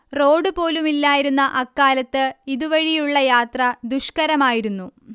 road പോലുമില്ലായിരുന്ന അക്കാലത്ത് ഇതുവഴിയുള്ള യാത്ര ദുഷ്കരമായിരുന്നു